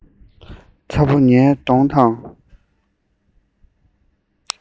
ཚ པོ ངའི གདོང དང